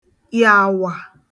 yàwà